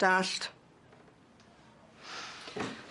Dallt?